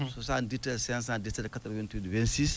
77 517 88 26